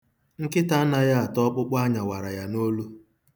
Nkịta anaghị ata ọkpụkpụ a nyawara ya n'olu.